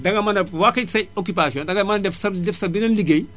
danga mën a vaqué say occupation danga mën a def se def sa beneen liggéey